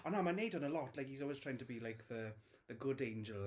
Ond na, mae'n wneud hwnna lot. Like he's always trying to be, like, the good angel.